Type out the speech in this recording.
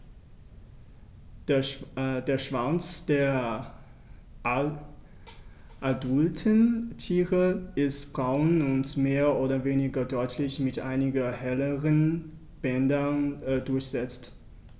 Der Schwanz der adulten Tiere ist braun und mehr oder weniger deutlich mit einigen helleren Bändern durchsetzt.